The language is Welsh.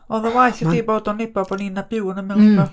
Oedd o'n waeth i fi bod o'n Nebo, bo' ni'n a- byw yn ymyl, tibod.